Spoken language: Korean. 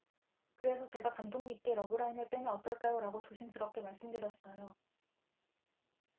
그래서 제가 감독님께 러브라인을 빼면 어떨까요라고 조심스럽게 말씀드렸어요